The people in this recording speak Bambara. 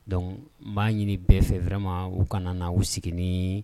Donc n b'a ɲini bɛɛ fɛ vraiment u kana na u sigi ni